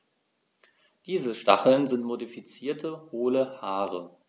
Diese Stacheln sind modifizierte, hohle Haare.